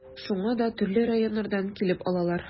Шуңа да төрле районнардан килеп алалар.